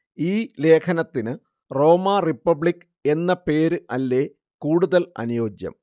ഈ ലേഖനത്തിനു Roma republic എന്ന പേര് അല്ലേ കൂടുതൽ അനുയോജ്യം